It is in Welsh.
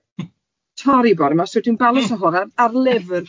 torri bore yma so dwi'n balanso hwn ar ar lyfr.